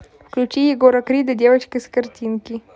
включи егора крида девочка с картинки